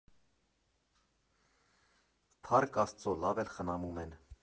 Փառք Աստծո, լավ էլ խնամում են։